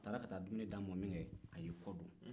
a taara ka taa dumuni d'a ma min kɛ a y'i kɔ don